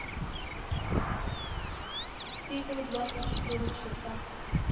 видео двадцать четыре часа